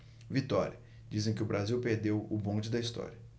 vitória dizem que o brasil perdeu o bonde da história